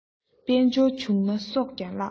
དཔལ འབྱོར བྱུང ན སྲོག ཀྱང བརླག